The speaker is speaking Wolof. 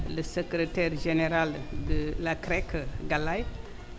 le secretaire général de la CREC Galaye